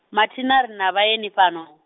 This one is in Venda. mathina ri na vhaeni fhano?